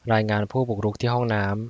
รายงานผู้บุกรุกที่ห้องน้ำ